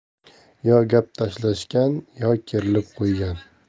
yo gap talashgan yo kerilib qo'ygan